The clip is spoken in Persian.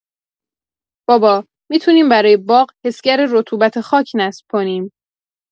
بابا، می‌تونیم برای باغ حسگر رطوبت خاک نصب کنیم.